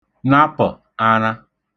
napə̀ aṙa